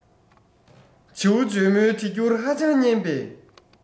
བྱིའུ འཇོལ མོའི གྲེ འགྱུར ཧ ཅང སྙན པས